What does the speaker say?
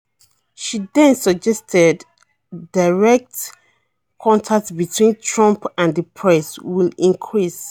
She then suggested direct contact between Trump and the press will increase.